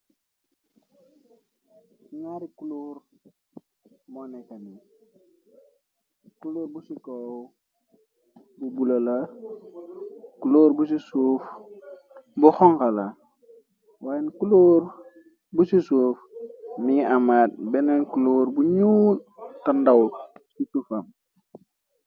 Ñaari clóor moonekani cloor bu ci koow bu bulola clóor bu ci suuf bu xonxala waayen clóor bu ci suuf mi amaat benneen clóore buñu tandaw ci sufam.